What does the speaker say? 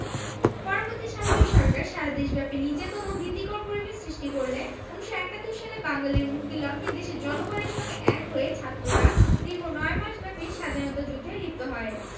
পরবর্তী সামরিক সরকার সারা দেশব্যাপী নির্যাতন ও ভীতিকর পরিবেশ সৃষ্টি করলে ১৯৭১ সালে বাঙালির মুক্তির লক্ষ্যে দেশের জনগণের সঙ্গে এক হয়ে ছাত্ররা দীর্ঘ নয় মাসব্যাপী স্বাধীনতা যুদ্ধে লিপ্ত হয়